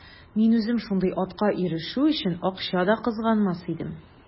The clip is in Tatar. Мин үзем шундый атка ирешү өчен акча да кызганмас идем.